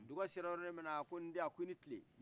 duga sela yɔrɔnin min na a ko nden i ni tile